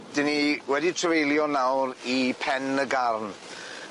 'Dyn ni wedi trefeilio nawr i Pen y Garn.